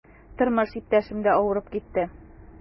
Тормыш иптәшем дә авырып китте.